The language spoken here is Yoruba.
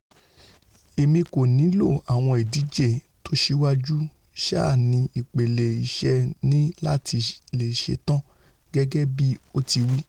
̀̀Èmi kò nílò àwọn ìdíje tósíwáju sáà ní ipele iṣẹ́ mi láti leè ṣetán,'' gẹgẹ bi otí wí.